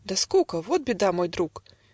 "Да скука, вот беда, мой друг".